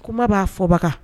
Kuma b'a fɔba